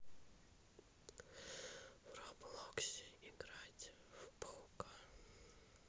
в роблоксе играть в паука